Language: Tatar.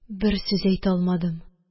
Бер сүз әйтә алмадым